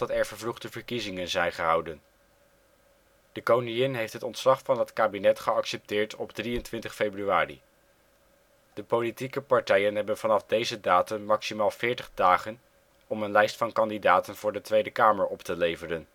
er vervroegde verkiezingen zijn gehouden. De Koningin heeft het ontslag van het kabinet geaccepteerd op 23 februari. De politieke partijen hebben vanaf deze datum maximaal 40 dagen om een lijst van kandidaten voor de Tweede Kamer op te leveren